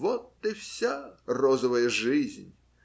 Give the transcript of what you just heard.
Вот и вся розовая жизнь!